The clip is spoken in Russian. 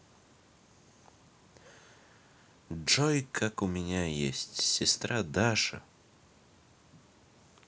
джой как у меня есть сестра даша